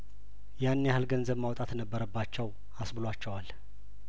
ያን ያህል ገንዘብ ማውጣት ነበረባቸው አስብሎባቸዋል